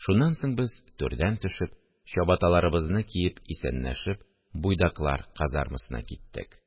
Шуннан соң без, түрдән төшеп, чабаталарыбызны киеп, исәнләшеп, буйдаклар казармасына киттек